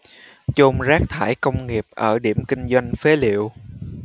chôn rác thải công nghiệp ở điểm kinh doanh phế liệu